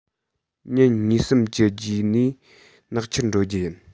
ཉིན གཉིས གསུམ གྱི རྗེས ནས ནག ཆུར འགྲོ རྒྱུ ཡིན